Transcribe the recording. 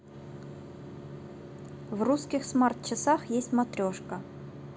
в русских смарт часах есть смотрешка